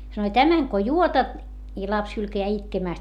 sanoi tämän kun juotat ja lapsi hylkää itkemästä